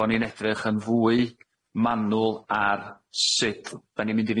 bo' ni'n edrych yn fwy manwl ar sut 'dan ni'n mynd i